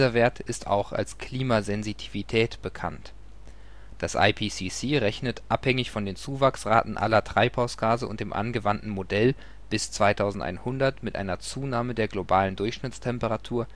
Wert ist auch als Klimasensitivität bekannt. Das IPCC rechnet abhängig von den Zuwachsraten aller Treibhausgase und dem angewandten Modell bis 2100 mit einer Zunahme der globalen Durchschnittstemperatur